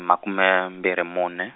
makume mbirhi mune.